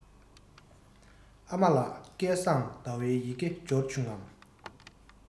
ཨ མ ལགས སྐལ བཟང ཟླ བའི ཡི གེ འབྱོར བྱུང ངམ